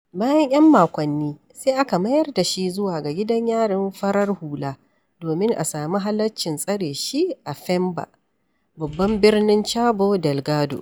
Bayan 'yan makwanni, sai aka mayar da shi zuwa ga gidan yarin farar hula domin a sami halaccin tsare shi a Pemba, babban birnin Cabo Delgado.